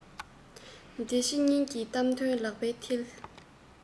འདི ཕྱི གཉིས ཀྱི གཏམ དོན ལག པའི མཐིལ